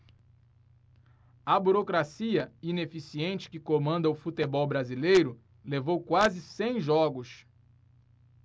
a burocracia ineficiente que comanda o futebol brasileiro levou quase cem jogos